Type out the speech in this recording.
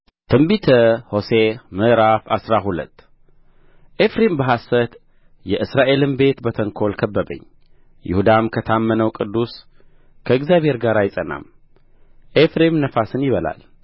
ትንቢተ ሆሴዕ ምዕራፍ አስራ ሁለት ኤፍሬም በሐሰት የእስራኤልም ቤት በተንኰል ከበበኝ ይሁዳም ከታመነው ቅዱሱ ከእግዚአብሔር ጋር አይጸናም ኤፍሬም ነፋስን ይበላል